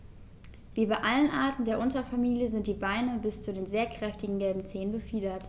Wie bei allen Arten der Unterfamilie sind die Beine bis zu den sehr kräftigen gelben Zehen befiedert.